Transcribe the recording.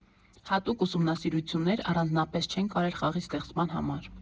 Հատուկ ուսումնասիրություններ առանձնապես չենք արել խաղի ստեղծման համար։